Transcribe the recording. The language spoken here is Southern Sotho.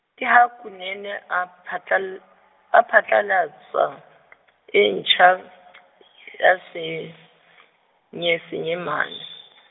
ke ha Kunene a phatlal- a phatlallatsa , e ntjha , ya Senye- Senyesemane.